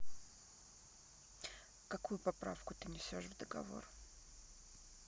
какую поправку ты несешь в договор